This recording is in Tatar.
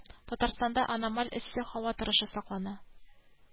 Татарстанда аномаль эссе һава торышы саклана